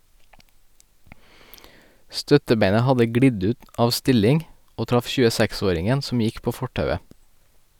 Støttebeinet hadde glidd ut av stilling, og traff 26-åringen som gikk på fortauet.